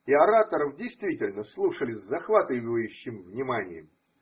И ораторов, действительно, слушали с захватывающим вниманием.